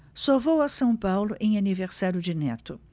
só vou a são paulo em aniversário de neto